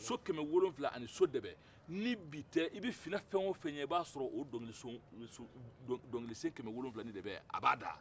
so kɛmɛ wolonfila ani so dɛbɛ ni bi tɛ i bɛ finɛ fɛn o fɛn ye i b'a sɔr'o dɔnkili son son dɔnkili sen kɛmɛ wolonfila ani dɛbɛ a b'a da